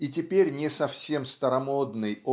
и теперь не совсем старомодный